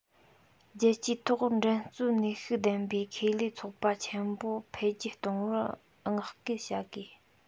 རྒྱལ སྤྱིའི ཐོག འགྲན རྩོད ནུས ཤུགས ལྡན པའི ཁེ ལས ཚོགས པ ཆེན པོ འཕེལ རྒྱས གཏོང བར བསྔགས སྐུལ བྱ དགོས